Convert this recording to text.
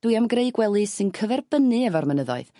dwi am greu gwely sy'n cyferbynnu efo'r mynyddoedd